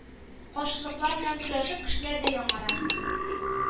Каршылыклар белән көрәшеп кешеләр дә яңара